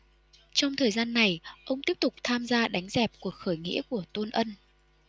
trong thời gian này ông tiếp tục tham gia đánh dẹp cuộc khởi nghĩa của tôn ân